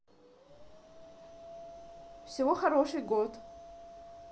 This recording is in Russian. всего хороший год